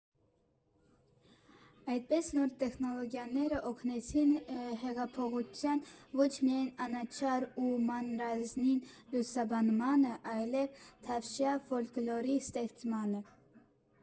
Այդպես նոր տեխնոլոգիաները օգնեցին հեղափոխության ոչ միայն անաչառ ու մանրազնին լուսաբանմանը, այլև թավշյա ֆոլկլորի ստեղծմանը։